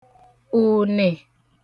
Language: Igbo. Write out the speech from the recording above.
ùnè